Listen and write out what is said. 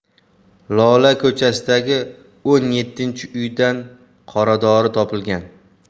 lola ko'chasidagi o'n yettinchi uydan qoradori topilgan